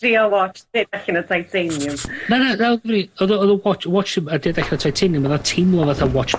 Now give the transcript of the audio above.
drio wats ddim allan o titanium. Na na odd o odd wats wats ddim yn neud all' o titanium, odd 'a teimlo fathat wats